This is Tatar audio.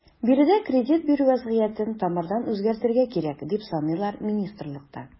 Биредә кредит бирү вәзгыятен тамырдан үзгәртергә кирәк, дип саныйлар министрлыкта.